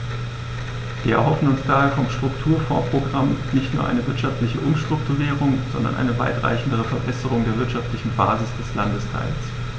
Wir erhoffen uns daher vom Strukturfondsprogramm nicht nur eine wirtschaftliche Umstrukturierung, sondern eine weitreichendere Verbesserung der wirtschaftlichen Basis des Landesteils.